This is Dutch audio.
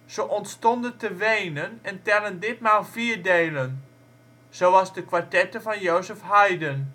Ze ontstonden te Wenen en tellen ditmaal vier delen (zoals de kwartetten van Joseph Haydn